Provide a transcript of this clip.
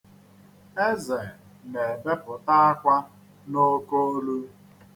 Eze na-ebepụta akwa n'oke olu.